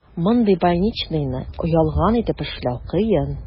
Мондый больничныйны ялган итеп эшләү кыен.